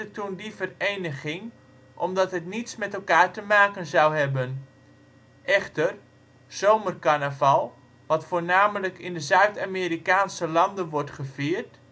toen die vereniging, omdat het niets met elkaar te maken zou hebben. Echter, Zomercarnaval, wat voornamelijk in de Zuid-Amerikaanse landen wordt gevierd